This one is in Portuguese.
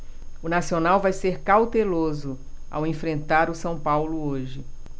o nacional vai ser cauteloso ao enfrentar o são paulo hoje